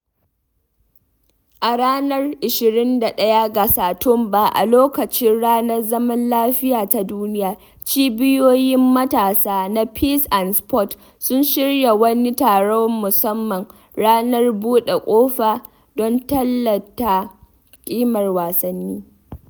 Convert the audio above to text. A ranar 21 ga Satumba, a lokacin Ranar Zaman Lafiya ta Duniya, cibiyoyin matasa na Peace and Sport sun shirya wani taron musamman, Ranar Buɗe Ƙofa, don tallata ƙimar wasanni.